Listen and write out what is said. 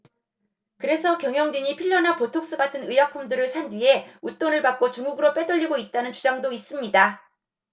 그래서 경영진이 필러나 보톡스 같은 의약품들을 산 뒤에 웃돈을 받고 중국으로 빼돌리고 있다는 주장도 있습니다